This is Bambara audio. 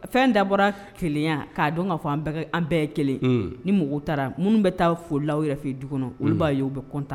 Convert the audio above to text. Fɛn da bɔra kelenya k'a dɔn k'a fɔ an bɛɛ ye kelen ni mɔgɔw taara minnu bɛ taa foli la u yɛrɛfi du kɔnɔ olu b'a ye u bɛ kɔntan